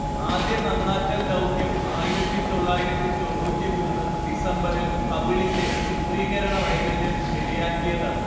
ആദ്യ നന്നാക്കൽ ദൗത്യം ആയിരത്തി തൊള്ളായിരത്തി തൊണ്ണൂറ്റി മൂന്ന് ഡിസംബറിൽ ഹബിളിന്റെ ചിത്രീകരണ വൈകല്യം ശരിയാക്കിയതാണ്